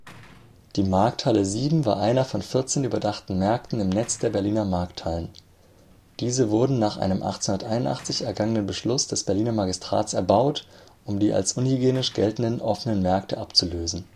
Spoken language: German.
Die Markthalle VII war einer von vierzehn überdachten Märkten im Netz der Berliner Markthallen. Diese wurden nach einem 1881 ergangenen Beschluss des Berliner Magistrats erbaut, um die als unhygienisch geltenden offenen Märkte abzulösen